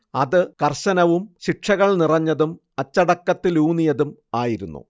അത് കർശനവും ശിക്ഷകൾ നിറഞ്ഞതും അച്ചടക്കത്തിലൂന്നിയതും ആയിരുന്നു